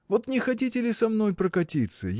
Вот не хотите ли со мной прокатиться?